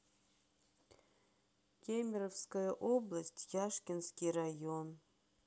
кемеровская область яшкинский район